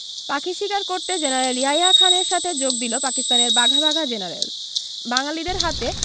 পাখি শিকার করতে জেনারেল ইয়াহিয়া খানের সাথে যোগ দিল পাকিস্তানের বাঘা বাঘা জেনারেল বাঙালিদের হাতে